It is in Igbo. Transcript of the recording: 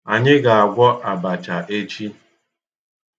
Anyị ga-agwọ Abacha echi.